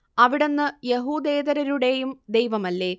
അവിടുന്ന് യഹൂദേതരരുടേയും ദൈവമല്ലേ